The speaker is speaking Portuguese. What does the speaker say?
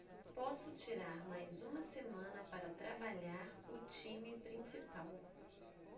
posso tirar mais uma semana para trabalhar o time principal